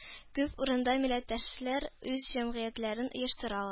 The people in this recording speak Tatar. Күп урында милләттәшләр үз җәмгыятьләрен оештыралар